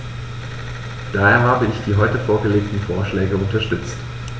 Daher habe ich die heute vorgelegten Vorschläge unterstützt.